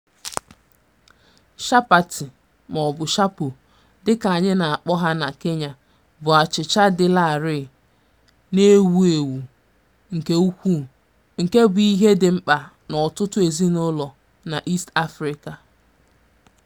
Chapati maọbụ "chapo" dịka anyị na-akpọ ha na Kenya, bụ achịcha dị larịị na-ewu ewu nke ukwuu nke bụ ihe dị mkpa n'ọtụtụ ezinaụlọ n'East Africa.